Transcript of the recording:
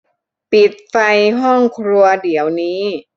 ปิดไฟห้องครัวเดี๋ยวนี้